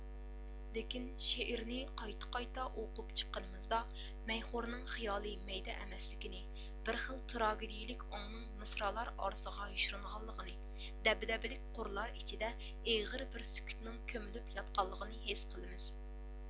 لېكىن شېئىرنى قايتا قايتا ئوقۇپ چىققىنىمىزدا مەيخورنىڭ خىيالى مەيدە ئەمەس لىكىنى بىر خىل تراگېدىيىلىك ئاڭنىڭ مىسرالار ئارىسىغا يوشۇرۇنغانلىقىنى دەبدەبىلىك قۇرلار ئىچىدە ئېغىر بىر سۈكۈتنىڭ كۆمۈلۈپ ياتقانلىقىنى ھېس قىلىمىز